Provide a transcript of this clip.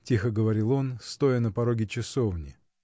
— тихо говорил он, стоя на пороге часовни.